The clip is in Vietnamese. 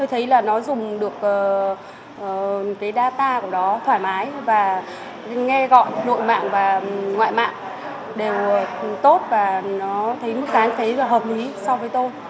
tôi thấy là nó dùng được ờ ờ cái đa ta của đó thoải mái và nghe gọi nội mạng và ngoại mạng đều tốt và nó thấy mức giá thấy là hợp lý so với tôi